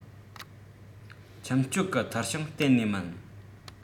ཁྱིམ སྤྱོད གི མཐིལ ཤིང གཏན ནས མིན